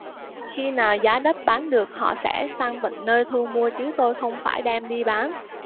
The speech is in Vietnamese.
khi nào giá đất bán được họ sẽ sang tận nơi thu mua chứ tôi không phải đem đi bán